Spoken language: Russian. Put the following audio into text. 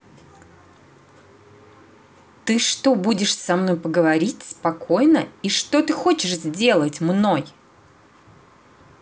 ты что будешь со мной поговорить спокойно и что ты хочешь сделаться мной